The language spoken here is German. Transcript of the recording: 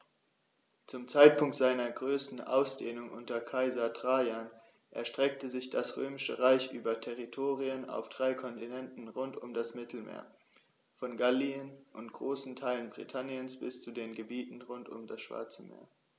Zum Zeitpunkt seiner größten Ausdehnung unter Kaiser Trajan erstreckte sich das Römische Reich über Territorien auf drei Kontinenten rund um das Mittelmeer: Von Gallien und großen Teilen Britanniens bis zu den Gebieten rund um das Schwarze Meer.